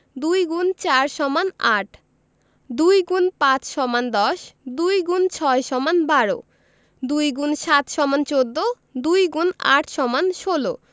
২ X ৪ = ৮ ২ X ৫ = ১০ ২ X ৬ = ১২ ২ X ৭ = ১৪ ২ X ৮ = ১৬